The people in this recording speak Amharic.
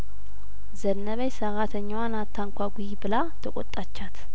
ዘነበች ሰራተኛዋን አታንጓጉ ብላ ተቆጣቻት